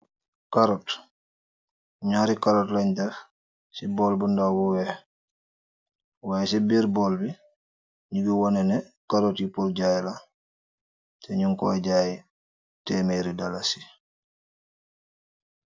Carrot. Njaari carrot len deff cii bowl bu ndaw bu wekh, y ci birr bowl bi njungy woneh neh carrot yii pur jaii la teh nung kor jaayeh tehmerri dalasi.